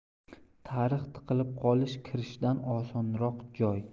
tarix tiqilib qolish kirishdan osonroq joy